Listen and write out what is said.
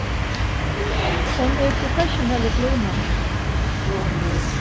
hon er professionellur glímari